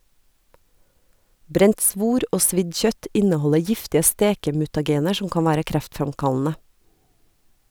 Brent svor og svidd kjøtt inneholder giftige stekemutagener som kan være kreftfremkallende.